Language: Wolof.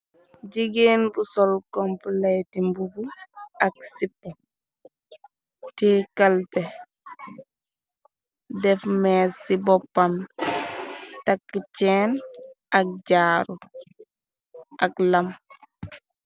Jigéen bu sol kompleti mbubu ak sippa te kalbe , def mees ci boppam, takk ceen ak jaaru ak lam.